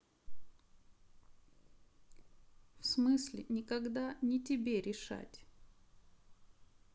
в смысле никогда не тебе решать